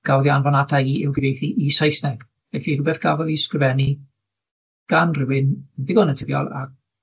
gafodd 'i anfon ata i i i'w gyfieithu i Saesneg felly rwbeth gafodd 'i sgrifennu gan rywun yn ddigon naturiol a